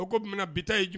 O ko minɛ bitɔn taa ye